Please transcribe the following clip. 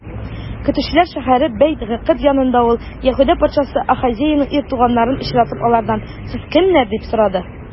Көтүчеләр шәһәре Бәйт-Гыкыд янында ул, Яһүдә патшасы Ахазеянең ир туганнарын очратып, алардан: сез кемнәр? - дип сорады.